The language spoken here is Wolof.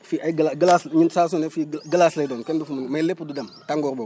fii ay gla glace ñun saa su ne fii glace lay doon kenn du fi mun mais lépp du dem tàngoor boobu